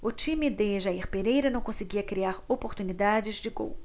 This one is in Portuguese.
o time de jair pereira não conseguia criar oportunidades de gol